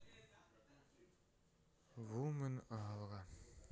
вумен аура